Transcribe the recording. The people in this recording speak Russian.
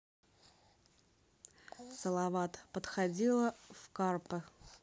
салават подходила в carpe